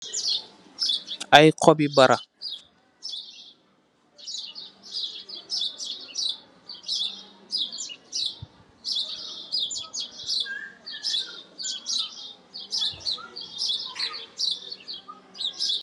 Aye hobii barah .